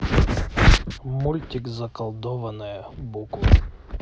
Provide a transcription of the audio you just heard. мультик заколдованная буква